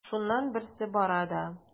Шуннан берсе бара да:.